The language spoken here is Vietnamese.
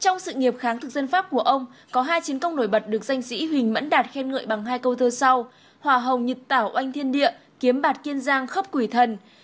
trong sự nghiệp kháng thực dân pháp của ông có hai chiến công nổi bật được danh sĩ huỳnh mẫn đạt khen ngợi bằng hai câu thơ sau hỏa hồng nhật tảo oanh thiên địa kiếm bạt kiên giang khấp quỷ thần